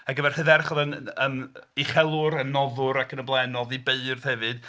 Ac efo'r Rhydderch oedd yn... yn Uchelwr, yn noddwr ac yn y blaen noddi beirdd hefyd...